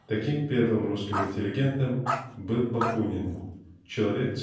Таким первым русским интеллигентом был Бакунин человек